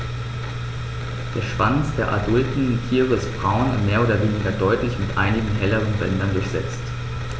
Der Schwanz der adulten Tiere ist braun und mehr oder weniger deutlich mit einigen helleren Bändern durchsetzt.